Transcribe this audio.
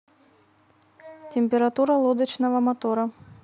температура лодочного мотора